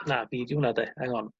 na fi 'di hwnna 'de? Hang on